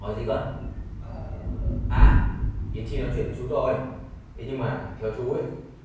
hỏi gì cơ à yến chi nói chuyện với chú rồi thế nhưng mà theo chú ý